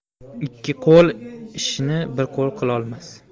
ikki qo'l qilgan ishni bir qo'l qilolmas